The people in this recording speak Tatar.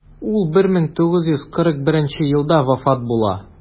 Ул 1941 елда вафат була.